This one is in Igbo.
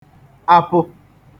apụ